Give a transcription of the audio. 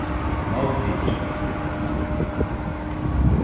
móttikið